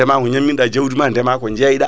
ndeema ko ñamminɗa jawdima ndeema ko jeeyɗa